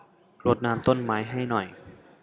รดน้ำต้นไม้ให้หน่อย